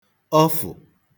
ọfụ̀